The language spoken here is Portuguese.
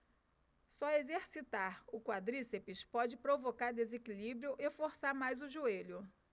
só exercitar o quadríceps pode provocar desequilíbrio e forçar mais o joelho